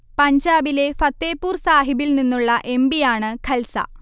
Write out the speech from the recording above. പഞ്ചാബിലെ ഫത്തേപൂർ സാഹിബിൽ നിന്നുള്ള എം. പി. യാണ് ഖൽസ